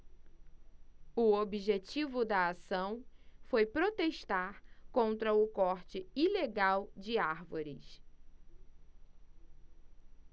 o objetivo da ação foi protestar contra o corte ilegal de árvores